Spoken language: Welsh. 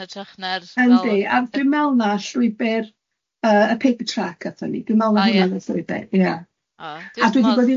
hytrach na'r... Yndi, a dwi'n meddwl na llwybyr yy y trac athon ni, dwi'n meddwl na... O ia?... dwi'n meddwl na hwnna nathon ni ia.